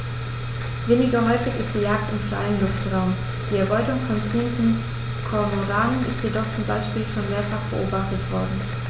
Weniger häufig ist die Jagd im freien Luftraum; die Erbeutung von ziehenden Kormoranen ist jedoch zum Beispiel schon mehrfach beobachtet worden.